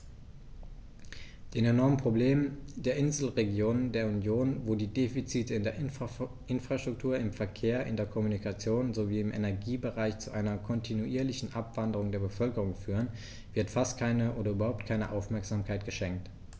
Den enormen Problemen der Inselregionen der Union, wo die Defizite in der Infrastruktur, im Verkehr, in der Kommunikation sowie im Energiebereich zu einer kontinuierlichen Abwanderung der Bevölkerung führen, wird fast keine oder überhaupt keine Aufmerksamkeit geschenkt.